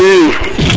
i